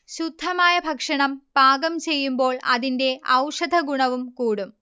ശുദ്ധമായ ഭക്ഷണം പാകം ചെയ്യുമ്പോൾ അതിന്റെ ഔഷധഗുണവും കൂടും